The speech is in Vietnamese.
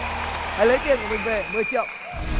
hãy lấy tiền của mình về mười triệu